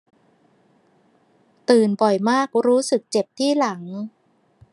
ตื่นบ่อยมากรู้สึกเจ็บที่หลัง